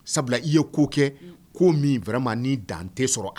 Sabula i ye ko kɛ ko min ma ni dante sɔrɔ